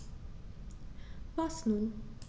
Was nun?